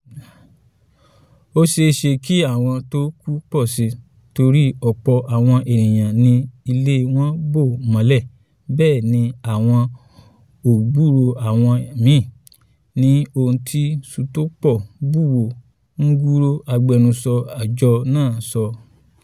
”Ó ṣeéṣe k’áwọn t’ọ́n kú pọ̀ si torí ọ̀pọ̀ àwọn èèyàn ni ilé wò bò mọ́lẹ̀, bẹ́ẹ̀ ni wọn ‘ò gbúròó àwọn míì,” ni ohun tí Sutopo Purwo Nugroho, agbẹnusọ àjọ náà sọ.